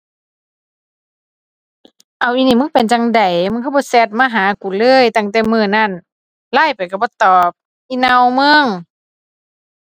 เอ้า อีนี่มึงเป็นจั่งใด มึงคือบ่แชตมาหากุเลย ตั้งแต่มื้อนั้น LINE ไปก็บ่ตอบ อีเน่ามึง